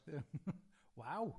Waw!